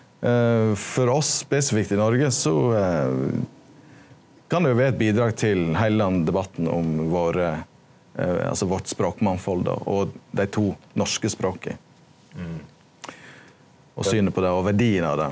for oss spesifikt i Noreg so kan det jo vere eit bidrag til heile den debatten om våre altso vårt språkmangfald då og dei to norske språka og synet på det og verdien av det.